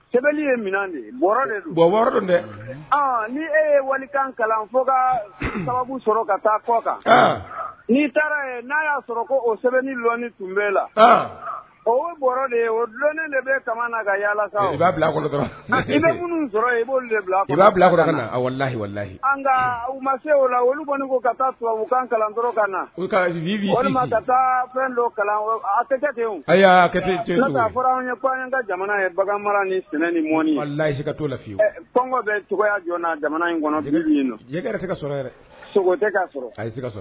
Sɛbɛn ye dɛ ni e ye wali kalan fo ka sɔrɔ ka taa kɔ kan n'i taara n'a y'a sɔrɔ o sɛbɛnɔni tun bɛ la o de olonnen de bɛ yaala i ŋ sɔrɔ i' lahilahiyi u ma se o la wuɔni ko ka taa kan kalan dɔrɔn ka na don kalan ka jamana ye bagan ni sɛnɛ niɔni lafiye bɛ cogoyaya jɔ jamana in